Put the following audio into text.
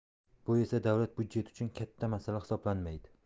bu esa davlat budjeti uchun katta masala hisoblanmaydi